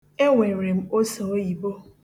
E nwere m oseoyibo